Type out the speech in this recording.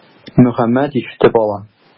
Мөхәммәт ишетеп ала.